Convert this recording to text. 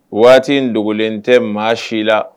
Waati in dogolen tɛ maa si la